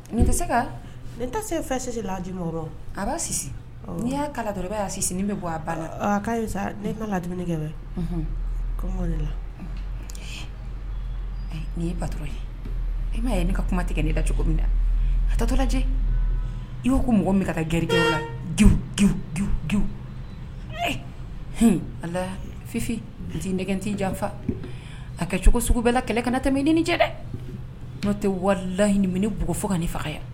Nin tɛ se ka nin tɛ se fɛsi laji a b'a si n'i y'a kala dɔrɔn y'si nin bɛ bɔ a ba la lainikɛ la n'i bato ye e m'a ye ne ka kuma tigɛ ne ka cogo min na a tɔtɔ lajɛ i' ko mɔgɔ min ka ka gari h a fifin nɛgɛ t janfa a kɛ cogo sugu bɛɛla kɛlɛ kana tɛmɛ niini dɛ n'o tɛ warilaɲini minɛ b fo ka ne faga yan